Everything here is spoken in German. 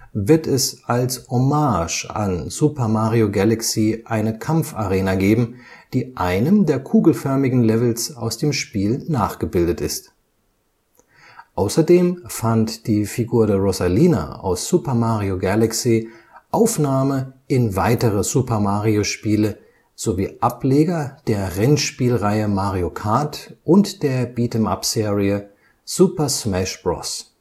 wird es als Hommage an Super Mario Galaxy eine Kampfarena geben, die einem der kugelförmigen Levels aus dem Spiel nachgebildet ist. Außerdem fand die Figur der Rosalina aus Super Mario Galaxy Aufnahme in weitere Super-Mario-Spiele sowie Ableger der Rennspielreihe Mario Kart und der Beat -’ em-up-Serie Super Smash Bros